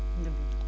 dëgg la